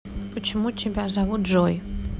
почему тебя зовут джой